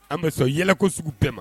An bɛ sɔn yɛlɛko sugu bɛɛ ma